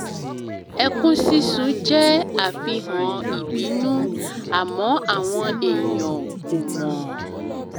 Ẹkún síssun jẹ́ àfihàn ìbínú àmọ́ àwọn èèyàn ‘ò mọ̀.